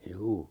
juu